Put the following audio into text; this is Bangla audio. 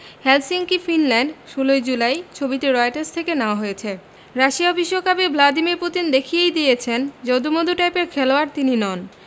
হেলসিঙ্কি ফিনল্যান্ড ১৬ই জুলাই ছবিটি রয়টার্স থেকে নেয়া হয়েছে রাশিয়া বিশ্বকাপে ভ্লাদিমির পুতিন দেখিয়ে দিয়েছেন যদু মধু টাইপের খেলোয়াড় তিনি নন